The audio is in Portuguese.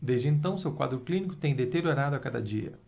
desde então seu quadro clínico tem deteriorado a cada dia